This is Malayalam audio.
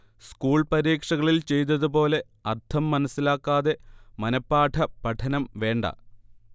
സ്കൂൾ പരീക്ഷകളിൽ ചെയ്തതുപോലെ അർഥം മനസ്സിലാക്കാതെ മനഃപാഠ പഠനം വേണ്ട